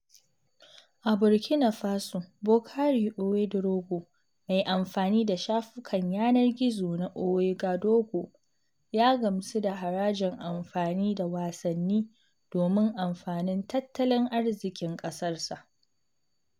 A Burkina Faso, Bboukari Ouédraogo, mai amfani da shafukan yanar gizona Ouagadougou ya gamsu da harajin amfani da wasanni domin amfanin tattalin arzikin ƙasarsa.